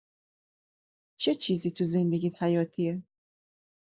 چه چیزی تو زندگیت حیاتیه؟